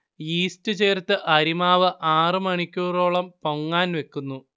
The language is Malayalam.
യീസ്റ്റ് ചേര്‍ത്ത് അരിമാവ് ആറു മണിക്കൂറോളം പൊങ്ങാൻ വെക്കുന്നു